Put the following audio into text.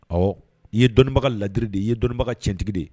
Ɔ i ye dɔnniibaga ladiri de ye i ye dɔnnibaga cɛntigi ye